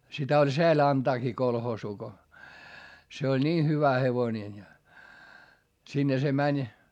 sitä oli sääli antaakin kolhoosiin kun se oli niin hyvä hevonen ja sinne se meni